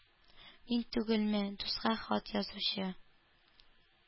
Мин түгелме дуска хат язучы,